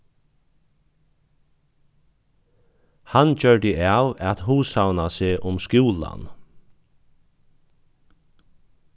hann gjørdi av at hugsavna seg um skúlan